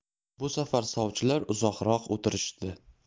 bu safar sovchilar uzoqroq o'tirishdi